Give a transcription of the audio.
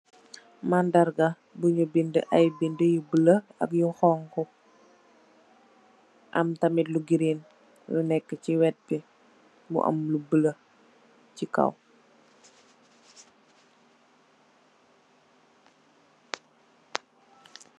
mandarga buñ binduh, binduh yu bulah ak yu xong khu am tamit lu green ci wet bi mu am lu bulah ci kaw